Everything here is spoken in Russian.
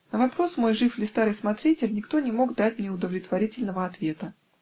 На вопрос мой: "Жив ли старый смотритель?" -- никто не мог дать мне удовлетворительного ответа.